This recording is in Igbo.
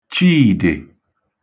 Chidị̀